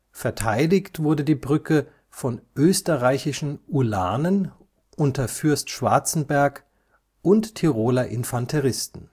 Verteidigt wurde die Brücke von österreichischen Ulanen unter Fürst Schwarzenberg und Tiroler Infanteristen